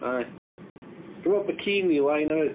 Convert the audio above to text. Ai gynna fo bikini line hefyd.